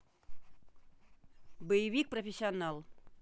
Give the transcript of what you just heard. боевик профессионал